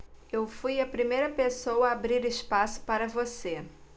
eu fui a primeira pessoa a abrir espaço para você